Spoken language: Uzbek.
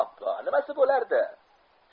nimasi bo'lardi